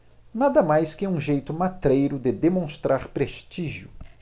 nada mais que um jeito matreiro de demonstrar prestígio